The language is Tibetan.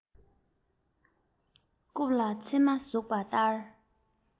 རྐུབ ལ ཚེར མ ཟུག པ ལྟར